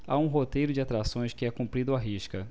há um roteiro de atrações que é cumprido à risca